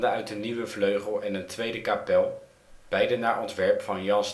uit een nieuwe vleugel en een tweede kapel, beide naar ontwerp van Jan